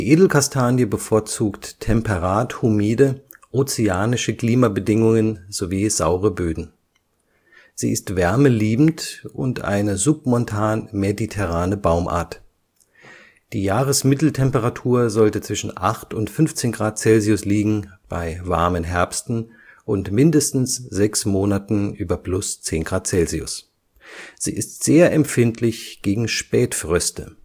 Edelkastanie bevorzugt temperat-humide, ozeanische Klimabedingungen sowie saure Böden. Sie ist wärmeliebend und eine submontan-mediterrane Baumart. Die Jahresmitteltemperatur sollte zwischen 8 und 15 °C liegen bei warmen Herbsten und mindestens sechs Monaten über +10 °C. Sie ist sehr empfindlich gegen Spätfröste